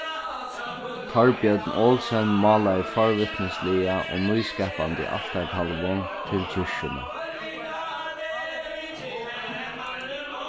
torbjørn olsen málaði forvitnisliga og nýskapandi altartalvu til kirkjuna